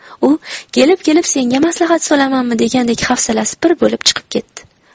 u kelib kelib senga maslahat solamanmi degandek hafsalasi pir bo'lib chiqib ketdi